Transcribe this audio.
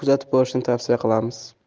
kuzatib borishni tavsiya qilamiz